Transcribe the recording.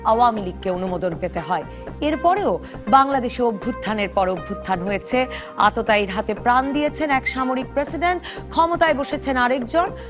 আওয়ামী লীগকে অনুমোদন পেতে হয় এরপর বাংলাদেশ অভ্যুত্থানের পর অভ্যুত্থান হয়েছে আততায়ীর হাতে প্রাণ দিয়েছেন এক সামরিক প্রেসিডেন্ট ক্ষমতায় বসেছেন আরেকজন